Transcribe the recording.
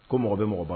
Ko mɔgɔ bɛ mɔgɔ ban